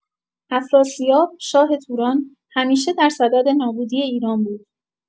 افراسیاب، شاه توران، همیشه در صدد نابودی ایران بود.